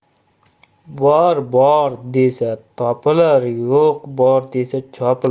bor bor desa topilar yo'q bor desa chopilar